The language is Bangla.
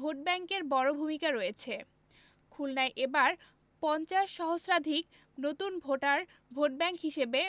ভোটব্যাংকের বড় ভূমিকা রয়েছে খুলনায় এবার ৫০ সহস্রাধিক নতুন ভোটার ভোটব্যাংক হিসেবে